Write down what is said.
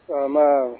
Faama